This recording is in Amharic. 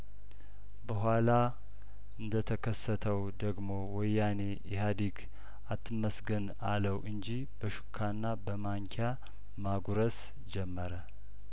በኋላ እንደተከሰተው ደግሞ ወያኔ ኢህአዴግ አትመስገን አለው እንጂ በሹካና በማንኪያ ማጉረስ ጀመረ